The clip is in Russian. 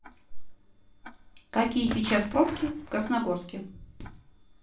какие сейчас пробки в красногорске